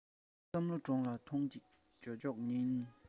བསམ བློ འདྲོངས ལ ཐོངས ཤིག ཇོ ཇོའི སྙིང